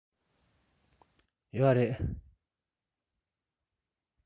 ཡོད རེད